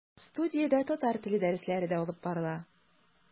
Студиядә татар теле дәресләре дә алып барыла.